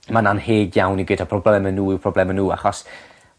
Ma'n annheg iawn i gwed taw probleme n'w yw probleme n'w achos